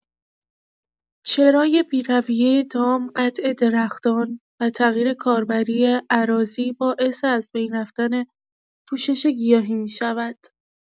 چرای بی‌رویه دام، قطع درختان و تغییر کاربری اراضی باعث از بین رفتن پوشش گیاهی می‌شود.